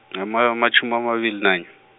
ama amatjhumi amabili nanye.